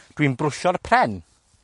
Dwi'n brwsio'r pren.